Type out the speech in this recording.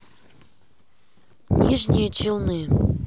нижние челны